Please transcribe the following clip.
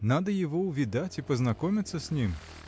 Надо его увидать и познакомиться с ним!